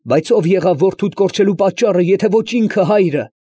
Բայց ո՞վ եղավ որդուդ կորչելու պատճառը, եթե ոչ ինքը հայրը։